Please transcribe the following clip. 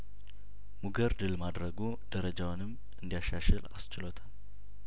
ሙገር ድል ማድረጉ ደረጃውንም እንዲያሻሽል አስችሎታል